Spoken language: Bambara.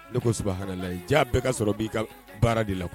Ne ko sabaharalayi jaa bɛɛ ka sɔrɔ b'i ka baara de la